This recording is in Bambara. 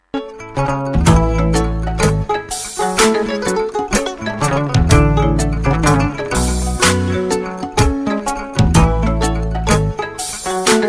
Maa